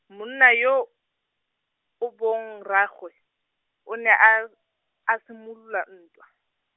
monna yo, o bong rraagwe, o ne a, a simolola ntwa.